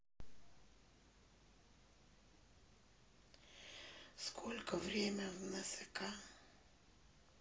сколько время в нск